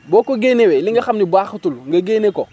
boo ko génnewee li nga xam ni baaxatul nga génne ko